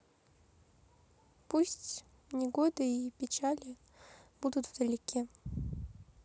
пусть негода и печали будут вдалеке